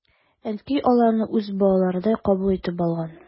Әнкәй аларны үз балаларыдай кабул итеп алган.